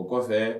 O kɔfɛ